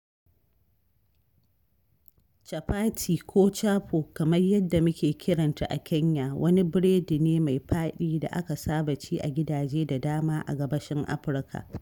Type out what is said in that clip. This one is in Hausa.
Chapati ko “chapo”, kamar yadda muke kiran ta a Kenya, wani biredi ne mai faɗi da aka saba ci a gidaje da dama a Gabashin Afirka.